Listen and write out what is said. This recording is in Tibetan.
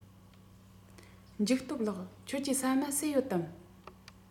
འཇིགས སྟོབས ལགས ཁྱོད ཀྱིས ཟ མ ཟོས ཡོད དམ